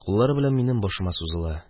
Куллары белән минем башыма сузыла.